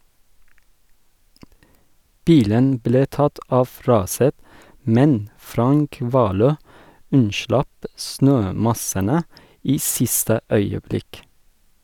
Bilen ble tatt av raset, men Frank Valø unnslapp snømassene i siste øyeblikk.